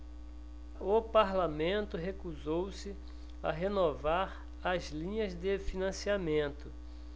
o parlamento recusou-se a renovar as linhas de financiamento